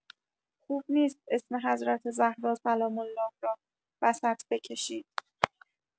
خوب نیست اسم حضرت زهرا (س) را وسط بکشید.